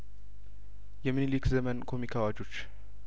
የሚንሊክ ዘመን ኮሚክ አዋጆች